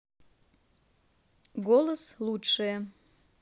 голос лучшее